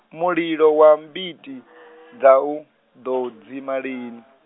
mulilo wa mbiti , dzau, ḓo dzima lini.